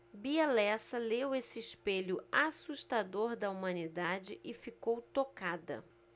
bia lessa leu esse espelho assustador da humanidade e ficou tocada